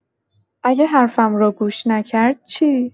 اگه حرفم رو گوش نکرد چی؟